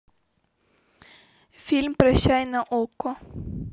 фильм прощай на окко